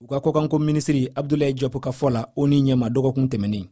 u ka kɔkanko minisiri abdulaye diop ka fɔ la onu ɲɛma dɔgɔkun tɛmɛnen